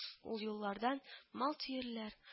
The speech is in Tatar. Ул юллардан мал төярләр